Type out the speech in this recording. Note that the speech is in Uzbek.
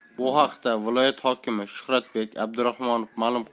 bu haqda viloyat hokimi shuhratbek abdurahmonov ma'lum